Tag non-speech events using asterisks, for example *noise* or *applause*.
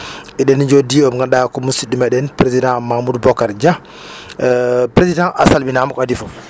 eɗeni joddi omo ganduɗa ko musidɗo meɗen président Mamoudou Bocar Dia *hesitation* président a salminama ko adi foof